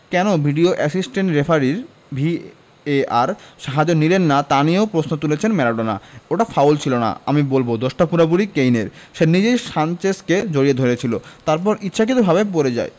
কেন video assistant রেফারির VAR সাহায্য নিলেন না তা নিয়েও প্রশ্ন তুলেছেন ম্যারাডোনা ওটা ফাউল ছিল না আমি বলব দোষটা পুরোপুরি কেইনের সে নিজেই সানচেজকে জড়িয়ে ধরেছিল তারপরে ইচ্ছাকৃতভাবে পড়ে যায়